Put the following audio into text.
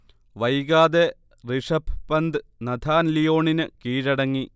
വൈകാതെ ഋഷഭ് പന്ത് നഥാൻ ലിയോണിന് കീഴടങ്ങി